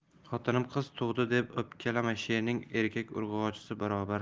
xotinim qiz tug'di deb o'pkalama sherning erkak urg'ochisi barobar